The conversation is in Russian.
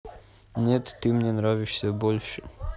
нет ты мне нравишься больше